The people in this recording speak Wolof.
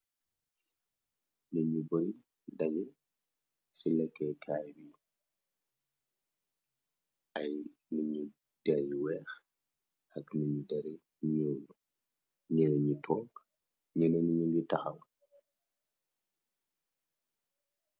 ni ñu bori dajee ci lekke kaay bi ay niñu delñ weex ak ninu dare ñeewu ñena ñu took ñëna niñu ngi taxaw